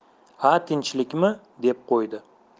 ha tinchlikmi deb qo'ydi